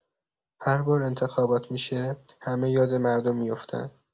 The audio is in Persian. هر بار انتخابات می‌شه همه یاد مردم میفتن.